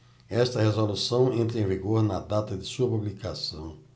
esta resolução entra em vigor na data de sua publicação